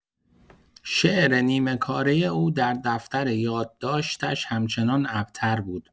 شعر نیمه‌کاره او در دفتر یادداشتش همچنان ابتر بود.